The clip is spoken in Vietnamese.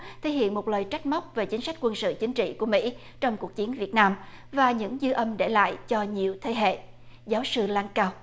thể hiện một lời trách móc về chính sách quân sự chính trị của mỹ trong cuộc chiến việt nam và những dư âm để lại cho nhiều thế hệ giáo sư lang cao